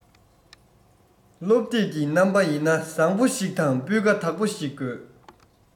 སློབ དེབ ཀྱི རྣམ པ ཡིན ན བཟང བོ ཞིག དང སྤུས ཀ དག པོ ཞིག དགོས